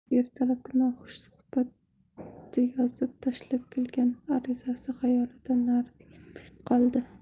ertalabki noxush suhbat yozib tashlab kelgan arizasi xayolidan nari ketmay qoldi